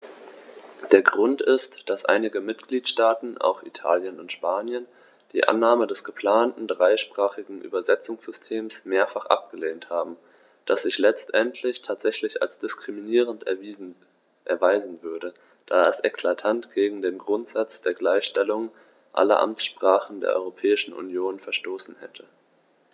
Der Grund ist, dass einige Mitgliedstaaten - auch Italien und Spanien - die Annahme des geplanten dreisprachigen Übersetzungssystems mehrfach abgelehnt haben, das sich letztendlich tatsächlich als diskriminierend erweisen würde, da es eklatant gegen den Grundsatz der Gleichstellung aller Amtssprachen der Europäischen Union verstoßen hätte.